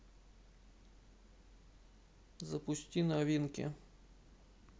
запусти новинки